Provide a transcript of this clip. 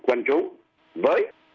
dân chủ